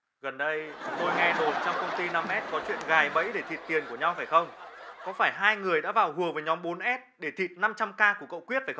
gần đây tôi nghe đồn trong công ty năm ét có chuyện gài bẫy để thịt tiền của nhau phải không có phải hai người đã vào gùa với nhóm bốn ét để thịt năm trăm ca của cậu quyết phải